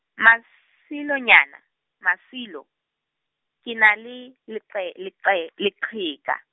Masilonyane, Masilo ke na le leqhe-, leqhe-, leqheka.